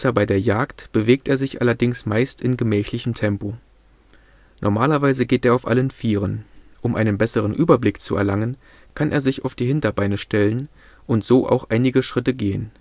bei der Jagd bewegt er sich allerdings meist in gemächlichem Tempo. Normalerweise geht er auf allen vieren. Um einen besseren Überblick zu erlangen, kann er sich auf die Hinterbeine stellen und so auch einige Schritte gehen